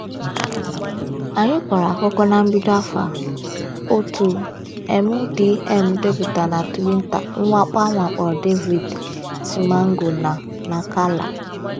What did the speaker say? Anyị kọrọ akụkọ na mbido afọ a, otu MDM depụtara na twita mwakpo a wakporo Daviz Simango na Nacala.